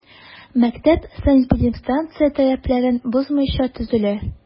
Мәктәп санэпидстанция таләпләрен бозмыйча төзелә.